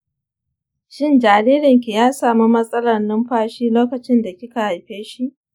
shin jaririnki ya samu matsalar numfashi lokacinda kika haifeshi?